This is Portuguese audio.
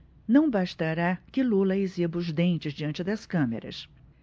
não bastará que lula exiba os dentes diante das câmeras